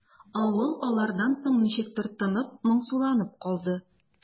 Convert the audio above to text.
Авыл алардан соң ничектер тынып, моңсуланып калды.